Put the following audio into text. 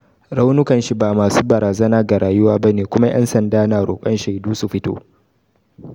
Raunukan shi ba masu barazana ga rayuwa bane kuma yan sanda na rokon shaidu su fito.